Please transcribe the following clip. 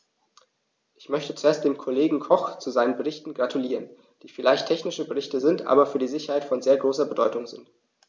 Ich möchte zuerst dem Kollegen Koch zu seinen Berichten gratulieren, die vielleicht technische Berichte sind, aber für die Sicherheit von sehr großer Bedeutung sind.